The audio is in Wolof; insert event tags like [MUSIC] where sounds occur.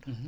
[HESITATION] [HESITATION]